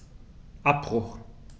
Abbruch.